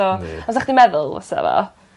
...so... Ie. ...fysach chdi'n meddwl i fysa fo.